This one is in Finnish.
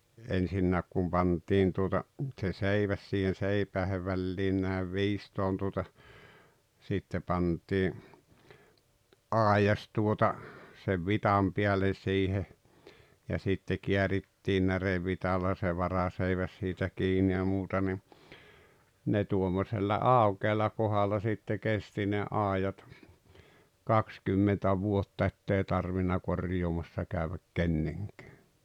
ensinnäkin kun pantiin tuota se seiväs siihen seipään väliin näin viistoon tuota sitten pantiin aidas tuota sen vitsan päälle siihen ja sitten käärittiin närevitsalla se varaseiväs siitä kiinni ja muuta niin ne tuommoisella aukealla kohdalla sitten kesti ne aidat kaksikymmentä vuotta että ei tarvinnut korjaamassa käyvät kenenkään